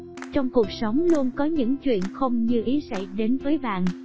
trong cuộc sống luôn có những chuyện không như ý xảy đến với bạn